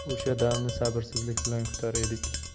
o'sha damni sabrsizlik bilan kutar edik